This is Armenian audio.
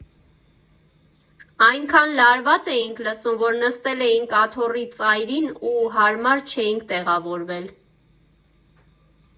Այնքան լարված էինք լսում, որ նստել էինք աթոռի ծայրին ու հարմար չէինք տեղավորվել։